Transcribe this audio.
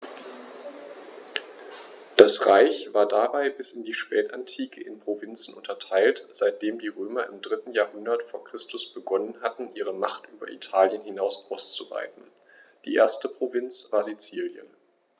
Das Reich war dabei bis in die Spätantike in Provinzen unterteilt, seitdem die Römer im 3. Jahrhundert vor Christus begonnen hatten, ihre Macht über Italien hinaus auszuweiten (die erste Provinz war Sizilien).